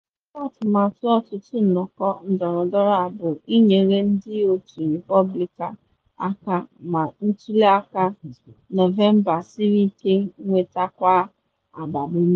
Mana isi atụmatụ ọtụtụ nnọkọ ndọrọndọrọ a bụ inyere ndị otu Repọblikan aka na ntuli aka Nọvemba siri ike nwetakwa agbamume.